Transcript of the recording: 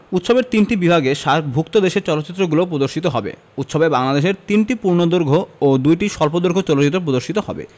উৎসবের তিনটি বিভাগে সার্কভুক্ত দেশের চলচ্চিত্রগুলো প্রদর্শিত হবে উৎসবে বাংলাদেশের ৩টি পূর্ণদৈর্ঘ্য ও ২টি স্বল্পদৈর্ঘ্য চলচ্চিত্র প্রদর্শিত হবে